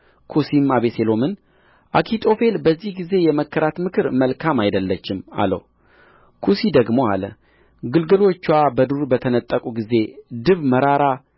ኩሲም አቤሴሎምን አኪጦፌል በዚህ ጊዜ የመከራት ምክር መልካም አይደለችም አለው ኩሲ ደግሞ አለ ግልገሎችዋ በዱር በተነጠቁ ጊዜ ድብ መራራ